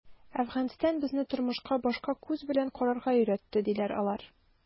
“әфганстан безне тормышка башка күз белән карарга өйрәтте”, - диләр алар.